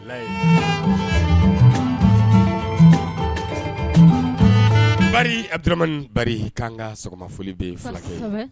Layi Barii Abudaramani Bari k'an ka sɔgɔmafɔli b'i ye fulakɛ kos sɛbɛ